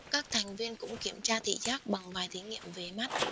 các thành viên cũng kiểm tra thị giác bằng vài thí nghiệm về mắt